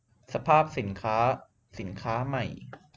สภาพสินค้าสินค้าใหม่